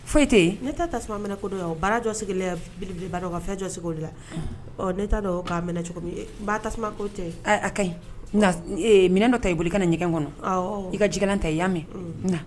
Foyi tɛ yen ne ta tasuma minɛ ko dɔn o baara jɔ sigilenba dɔn ka fɛn jɔsigi' de la ne t'a dɔn' minɛ cogo ba tasuma ko tɛ a ka ɲi minɛ dɔ ta i boli ka ɲɛgɛn kɔnɔ i ka jigna ta i'a mɛn